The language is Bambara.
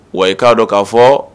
Wa i k'a dɔn k'a fɔ